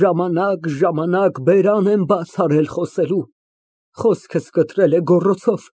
Ժամանակ֊ժամանակ բերան եմ բաց արել, խոսքս կտրել է գոռոցով։